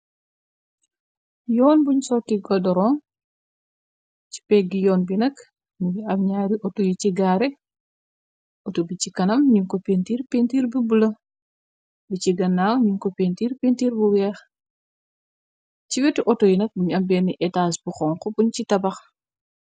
Yoon buñ sorti godoron ci péggi yoon bi nag muyi aw ñaari auto yi ci gaare auto bi ci kanam ñuñ ko pintiir pintiir bi bula bi ci ganaaw ñuñ ko pintiir pintiir bu weex ci weti auto yi nag muñ ambeeni étaas bu xonk buñ ci tabax.